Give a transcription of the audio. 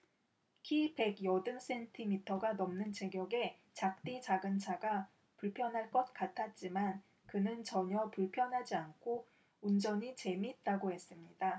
키 백 여든 센티미터가 넘는 체격에 작디 작은 차가 불편할 것 같았지만 그는 전혀 불편하지 않고 운전이 재미있다고 했습니다